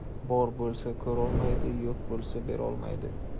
bor bo'lsa ko'rolmaydi yo'q bo'lsa berolmaydi